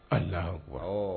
Ayiwa